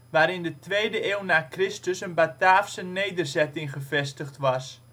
waar in de tweede eeuw na Christus een Bataafse nederzetting gevestigd was